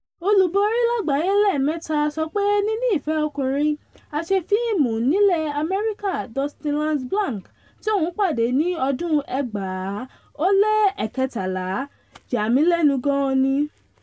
Olùborí lágbàáyé lẹ́ẹ̀mẹtà sọ pé níní ìfẹ́ ọkùnrin - Aṣefíìmù nílẹ̀ Amẹ́ríkà Dustin Lance Black, tí òun pàdé ní 2013 - “yá mí lẹ́nu gan an ni."